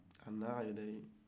a nana a yɛre ye